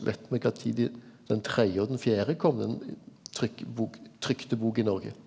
veit med kva tid dei den tredje og den fjerde kom ein trykk bok trykte bok i Noreg?